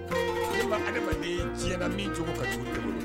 Adamaden tiɲɛ na min cogo ka cogo